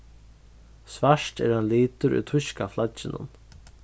svart er ein litur í týska flagginum